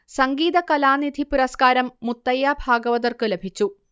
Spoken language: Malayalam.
സംഗീത കലാനിധി പുരസ്കാരം മുത്തയ്യാ ഭാഗവതർക്ക് ലഭിച്ചു